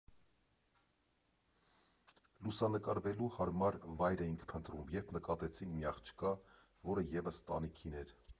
Լուսանկարվելու հարմար վայր էինք փնտրում, երբ նկատեցինք մի աղջկա, որը ևս տանիքին էր։